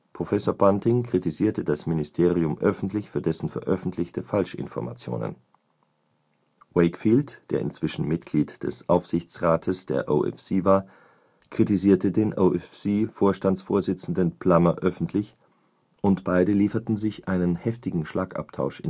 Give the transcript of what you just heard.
Professor Bunting kritisierte das Ministerium öffentlich für dessen veröffentlichte Falschinformationen. Wakefield, der inzwischen Mitglied des Aufsichtsrates der OFC war, kritisierte den OFC-Vorstandsvorsitzenden Plummer öffentlich und beide lieferten sich einen heftigen Schlagabtausch